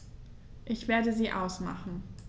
Ich werde sie ausmachen.